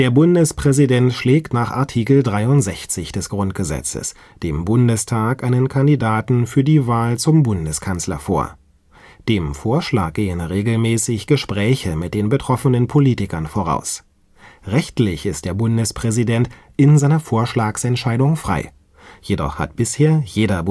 Bundespräsident schlägt nach Art. 63 GG dem Bundestag einen Kandidaten für die Wahl zum Bundeskanzler vor. Dem Vorschlag gehen regelmäßig Gespräche mit den betroffenen Politikern voraus. Rechtlich ist der Bundespräsident in seiner Vorschlagsentscheidung frei. Jedoch hat bisher jeder